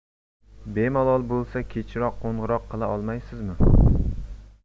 bemalol bo'lsa kechroq qo'ng'iroq qila olmaysizmi